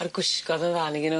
A'r gwisgo'dd yn dda nag 'yn nw?